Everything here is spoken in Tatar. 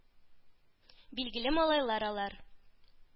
Билгеле малайлар алар.